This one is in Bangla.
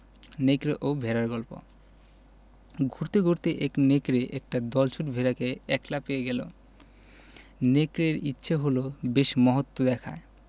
নেকড়ে ও ভেড়ার গল্প ঘুরতে ঘুরতে এক নেকড়ে একটা দলছুট ভেড়াকে একলা পেয়ে গেল নেকড়ের ইচ্ছে হল বেশ মহত্ব দেখায়